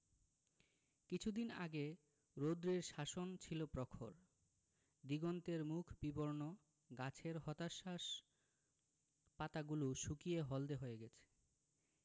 কিছুদিন আগে রৌদ্রের শাসন ছিল প্রখর দিগন্তের মুখ বিবর্ণ গাছের হতাশ্বাস পাতাগুলো শুকিয়ে হলদে হয়ে গেছে